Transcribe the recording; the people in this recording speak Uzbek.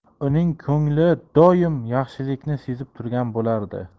uning ko'ngli doim yaxshilikni sezib turgan bo'lardi